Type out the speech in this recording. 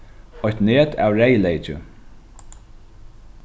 eitt net av reyðleyki